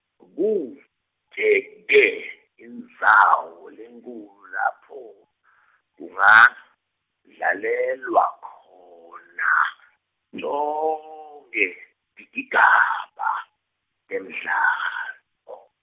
kute-ke, indzawo lenkhulu lapho, kungadlalelwa, khona, tonkhe, tigigaba, temdlalo.